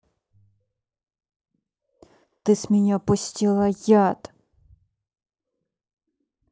ты с меня пустила яд